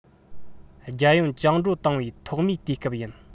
རྒྱལ ཡོངས བཅིངས འགྲོལ བཏང བའི ཐོག མའི དུས སྐབས ཡིན